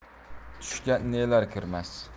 tushga nelar kirmas